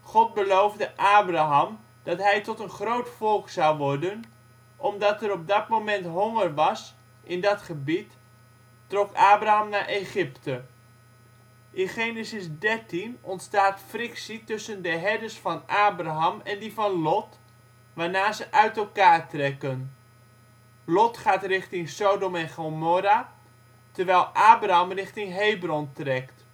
God beloofde Abraham dat hij tot een groot volk zou worden. Omdat er op dat moment honger was in dat gebied, trok Abraham naar Egypte. In Genesis 13 ontstaat frictie tussen de herders van Abraham en die van Lot, waarna ze uit elkaar trekken. Lot gaat richting Sodom en Gomorra, terwijl Abraham richting Hebron trekt